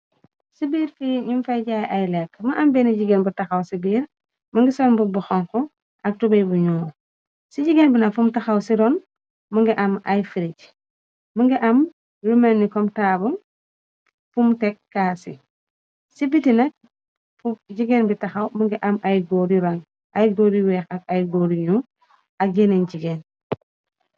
Ci biir fi ñu fay jaay ay lekk më am beeni jigéen bu taxaw ci biir më ngi sol mbobbu xonk ak tubey bu ñuo ci jigeen bi na fum taxaw ci ron më nga am ay frice më nga am rumeni komtaab fum tek kaasi ci biti nak jigéen bi taxaw më nga am ay góru weex ak ay góor ñu ak yeneen jigéen.